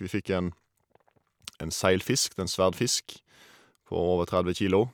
Vi fikk en en seilfisk, det er en sverdfisk, på over tredve kilo.